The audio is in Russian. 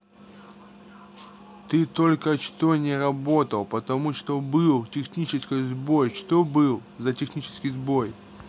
ты только что не работал потому что был технический сбой что был за технический сбой